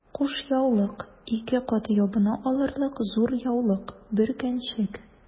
Кушъяулык— ике кат ябына алырлык зур яулык, бөркәнчек...